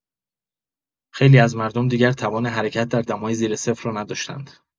خیلی از مردم دیگر توان حرکت در دمای زیر صفر را نداشتند.